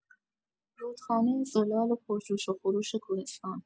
رودخانه زلال و پرجوش‌وخروش کوهستان